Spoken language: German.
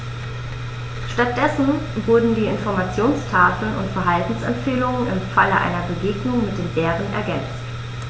Stattdessen wurden die Informationstafeln um Verhaltensempfehlungen im Falle einer Begegnung mit dem Bären ergänzt.